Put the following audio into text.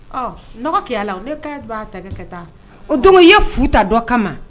Ɔ dɔgɔ keyala ne ka taa o don ye fu futa dɔ kama